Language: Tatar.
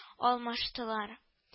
Алмаштылар